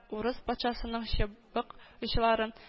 Урыс патшасының чыбык очларын